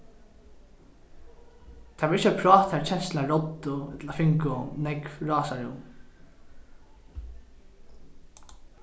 tað var ikki eitt prát har kenslurnar ráddu ella fingu nógv rásarúm